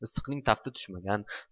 issiqning tafti tushmagan